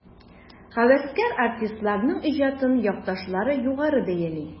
Һәвәскәр артистларның иҗатын якташлары югары бәяли.